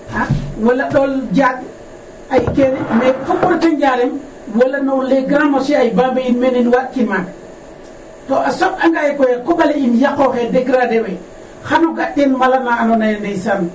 wala ɗool jaaɗ ay kene. Mais fok o reta Njareme wala les grands marché ay Bambey in mene yiin waaɗkin maaga to a soɓaanga yee koy a koƥ ale yaqooxee degrader wee xan o ga' ten mala na andoona yee ndeysaan